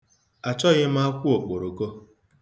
Achọghi m akwụ okporoko.